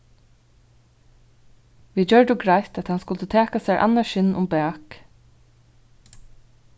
vit gjørdu greitt at hann skuldi taka sær annað skinn um bak